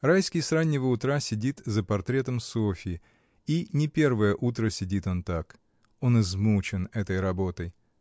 Райский с раннего утра сидит за портретом Софьи, и не первое утро сидит он так. Он измучен этой работой.